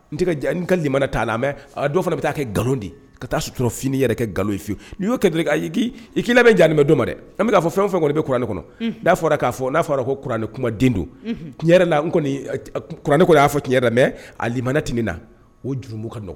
N kali t'a la mɛ dɔ fana bɛ taa kɛ nkalonlo di ka taa sutura finiinin yɛrɛ kɛ nkalonloye y'o kɛ i' bɛ diyaanimɛ don ma dɛ bɛ' fɔ fɛn o fɛn kɔni bɛ kuranɛ kɔnɔ'a fɔra'a fɔ n'a fɔra ko kuranɛ kuma don la kuranɛko y'a fɔ ti mɛ a inɛ t na o juru ka nɔgɔ